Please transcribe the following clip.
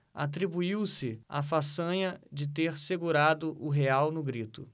atribuiu-se a façanha de ter segurado o real no grito